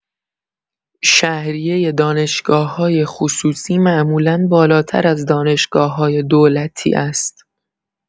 شهریه دانشگاه‌‌های خصوصی معمولا بالاتر از دانشگاه‌‌های دولتی است.